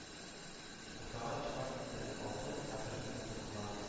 Уртага өч пар иттереп алты каторжник утыртыла